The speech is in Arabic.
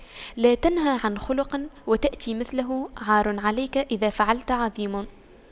لا تنه عن خلق وتأتي مثله عار عليك إذا فعلت عظيم